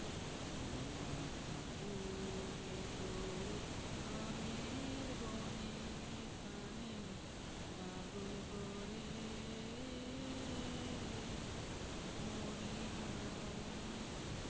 ওমা ফাগুনে তোর আমের বনে ঘ্রাণে পাগল করে মরিহায়